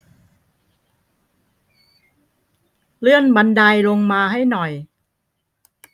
เลื่อนบันไดลงมาให้หน่อย